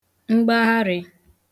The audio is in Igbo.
mgbaharị